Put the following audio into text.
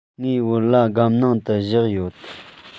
ངའི བོད ལྭ སྒམ ནང དུ བཞག ཡོད